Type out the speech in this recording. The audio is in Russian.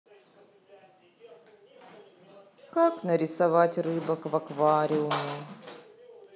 как нарисовать рыбок в аквариуме